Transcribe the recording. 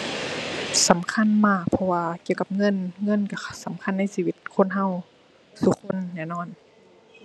สำคัญมาก เพราะว่าเกี่ยวกับเงิน เงินก็สำคัญในชีวิตคนก็ทุกคนแน่นอน